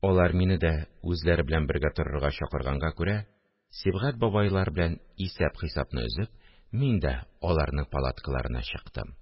Алар мине дә үзләре белән бергә торырга чакырганга күрә, Сибгать бабайлар белән исәп-хисапны өзеп, мин дә аларның палаткаларына чыктым